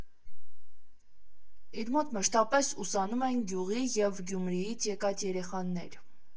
Իր մոտ մշտապես ուսանում են գյուղի և Գյումրիից եկած երեխաներ։